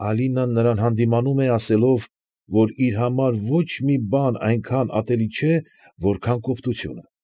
Ալինան նրան հանդիմանում է, ասելով, որ իր համար ոչ մի բան այնքան ատելի չէ, որքան կոպտությունը։